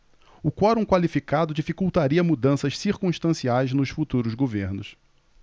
o quorum qualificado dificultaria mudanças circunstanciais nos futuros governos